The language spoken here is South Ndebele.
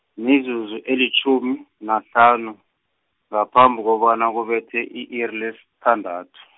mizuzu elitjhumi, nahlanu, ngaphambi kobana kubethe i-iri lesithandath- .